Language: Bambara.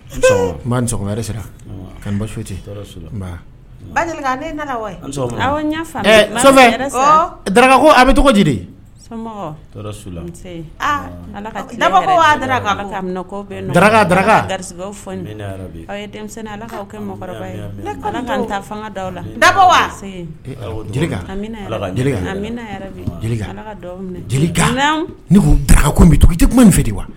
Bɛ bɛ tɛ min fɛ de wa